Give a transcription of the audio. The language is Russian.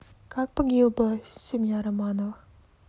как погибла семья романовых